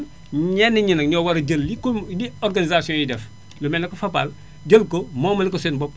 kon ñenn ñi nag ñoo war a jël li com li organisations yi def lu mel ne que Fapal jël ko moomale ko seen bopp